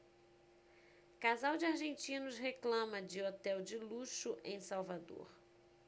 casal de argentinos reclama de hotel de luxo em salvador